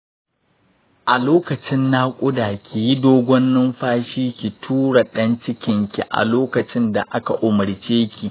a lokacin naƙuda kiyi dogon numfashi ki tura dan cikin ki a lokacin da aka umurceki.